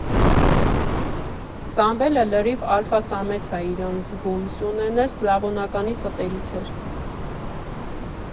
Սամվելը լրիվ ալֆա֊սամեց ա իրան զգում, Սյունեն էլ Սլավոնականի ծտերից էր.